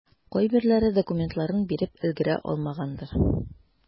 Кайберләре документларын биреп өлгерә алмагандыр.